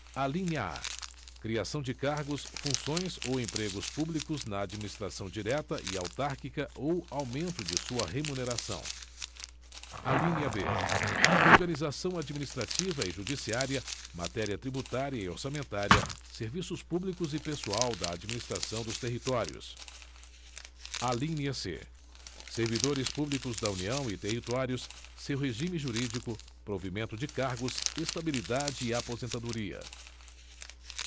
alínea a criação de cargos funções ou empregos públicos na administração direta e autárquica ou aumento de sua remuneração alínea b organização administrativa e judiciária matéria tributária e orçamentária serviços públicos e pessoal da administração dos territórios alínea c servidores públicos da união e territórios seu regime jurídico provimento de cargos estabilidade e aposentadoria